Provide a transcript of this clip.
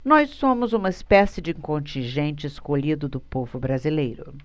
nós somos uma espécie de contingente escolhido do povo brasileiro